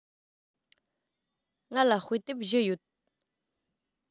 ང ལ དཔེ དེབ བཞི ཡོད